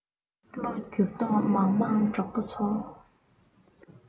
བློ འགྱུར ལྡོག མ མང གྲོགས པོ ཚོ